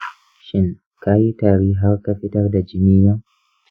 shin ka yi tari har ka fitar da jini yau?